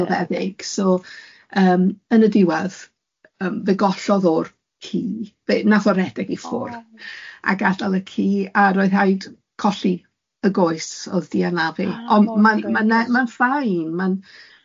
...milfeddyg, so yym yn y diwadd yym fe gollodd o'r ci, fe wnaeth o redeg i ffwrdd, a gadael y ci, a roedd rhaid colli y goes oedd di anafu, ond ma'n ma'n ne- ma'n fine, ma'n.